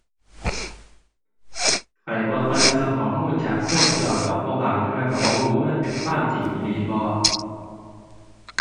ข้อยบ่ค่อยเชื่อข้อมูลจากโซเชียลดอก เพราะบางเทื่อเชื่อบ่เชื่อว่ามันเป็นความจริงอีหลีบ่